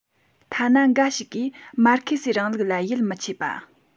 ཐ ན འགའ ཞིག གིས མར ཁེ སིའི རིང ལུགས ལ ཡིད མི ཆེས པ